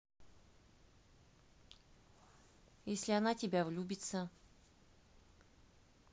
если она тебя влюбиться